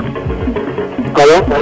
alo